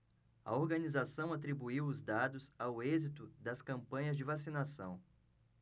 a organização atribuiu os dados ao êxito das campanhas de vacinação